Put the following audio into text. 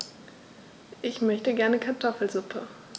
Ich möchte gerne Kartoffelsuppe.